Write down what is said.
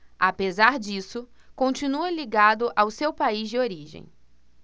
apesar disso continua ligado ao seu país de origem